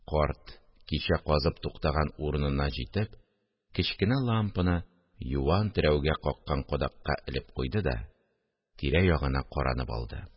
Арт, кичә казып туктаган урынына җитеп, кечкенә лампаны юан терәүгә каккан кадакка элеп куйды да тирә-ягына каранып алды